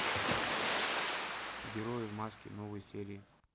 герои в маске новые серии